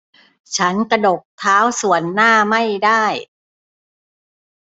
ฉันกระดกเท้าส่วนหน้าไม่ได้